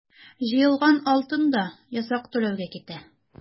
Җыелган алтын да ясак түләүгә китә.